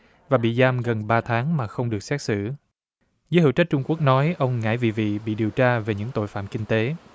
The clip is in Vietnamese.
và bị giam gần ba tháng mà không được xét xử giới hữu trách trung quốc nói ông ngãi vì vì bị điều tra về những tội phạm kinh tế